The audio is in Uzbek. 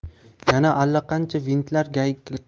yana allaqancha vintlar